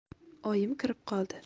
oyim kirib qoldi